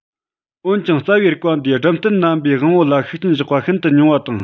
འོན ཀྱང རྩ བའི རིགས པ འདིས སྦྲུམ རྟེན རྣམ པའི དབང པོ ལ ཤུགས རྐྱེན བཞག པ ཤིན ཏུ ཉུང བ དང